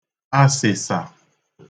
asị̀sà